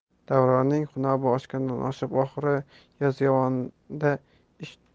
davronning xunobi oshgandan oshib oxiri yozyovonda ish